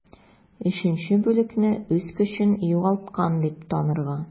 3 бүлекне үз көчен югалткан дип танырга.